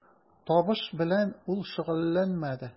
Табыш белән ул шөгыльләнмәде.